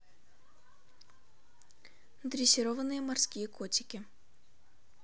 дрессированные морские котики